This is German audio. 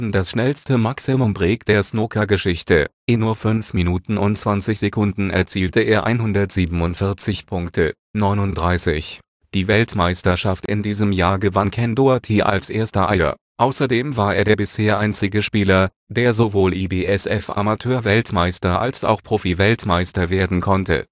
das schnellste Maximum Break der Snookergeschichte. In nur 5 Minuten und 20 Sekunden erzielte er 147 Punkte. Die Weltmeisterschaft in diesem Jahr gewann Ken Doherty als erster Ire. Außerdem war er der bisher einzige Spieler, der sowohl IBSF-Amateurweltmeister als auch Profi-Weltmeister werden konnte